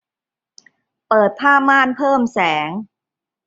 เปิดผ้าม่านเพิ่มแสง